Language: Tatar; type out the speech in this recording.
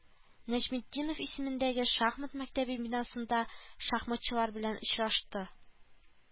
Нәҗметдинов исемендәге шахмат мәктәбе бинасында шахматчылар белән очрашты